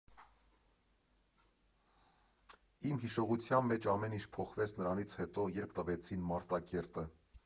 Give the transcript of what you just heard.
Իմ հիշողության մեջ ամեն ինչ փոխվեց նրանից հետո, երբ տվեցին Մարտակերտը։